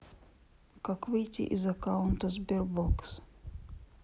как выйти из аккаунта sberbox